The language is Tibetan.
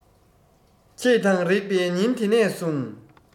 ཁྱེད དང རེག པའི ཉིན དེ ནས བཟུང